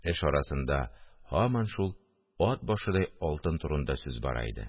Эш арасында һаман шул «ат башыдай алтын» турында сүз бара иде